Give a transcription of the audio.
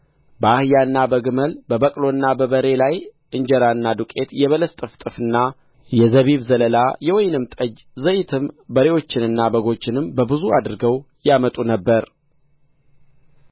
በአህያና በግመል በበቅሎና በበሬ ላይ እንጀራና ዱቄት የበለስ ጥፍጥፍና የዘቢበ ዘለላ የወይንም ጠጅ ዘይትም በሬዎችንና በጎችንም በብዙ አድርገው ያመጡ ነበር